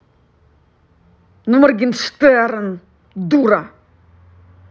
ну моргенштерн дура